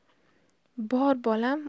bor bolam